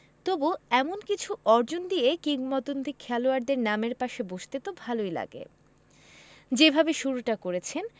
তবু এমন কিছু অর্জন দিয়ে কিংবদন্তি খেলোয়াড়দের নামের পাশে বসতে তো ভালোই লাগে যেভাবে শুরুটা করেছেন